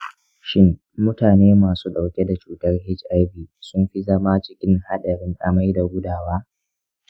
shin mutane masu ɗauke da cutar hiv sun fi zama cikin haɗarin amai da gudawa?